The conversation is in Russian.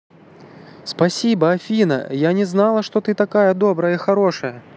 спасибо афина я не знала что ты такая добрая и хорошая